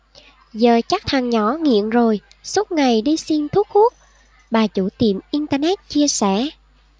giờ chắc thằng nhỏ nghiện rồi suốt ngày đi xin thuốc hút bà chủ tiệm internet chia sẻ